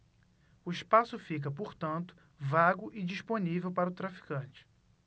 o espaço fica portanto vago e disponível para o traficante